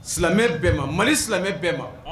Silamɛ bɛɛ ma Mali silamɛ bɛɛ ma